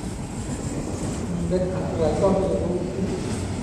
มีเม็ดอะไรก็ไม่รู้ขึ้นที่แขนฉัน